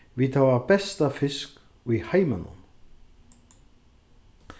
vit hava besta fisk í heiminum